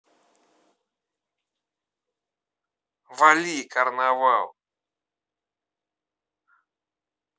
вали карнавал